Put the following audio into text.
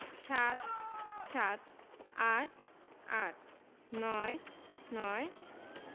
৭ - সাত ৮ - আট ৯ - নয়